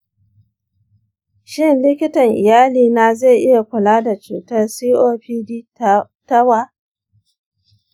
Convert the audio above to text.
shin likitan iyalina zai iya kula da cutar copd tawa?